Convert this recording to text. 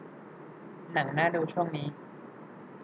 หนังน่าดูช่วงนี้